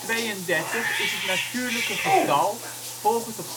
32 is het natuurlijke getal volgend op